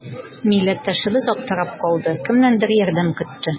Милләттәшебез аптырап калды, кемнәндер ярдәм көтте.